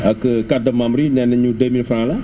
ak carte de membre yi nee nañu 2000F la